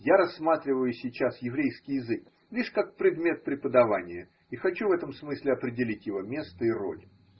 Я рассматриваю сейчас еврейский язык лишь как предмет преподавания и хочу в этом смысле определить его место и роль.